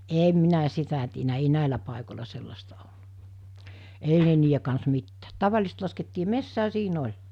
en minä sitä tiennyt ei näillä paikoilla sellaista ollut ei ne niiden kanssa mitään tavallisesti laskettiin metsään siinä oli